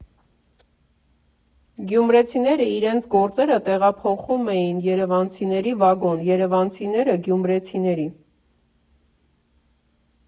«Գյումրեցիները իրենց գործերը տեղափոխում էին երևանցիների վագոն, երևանցիները գյումրեցիների։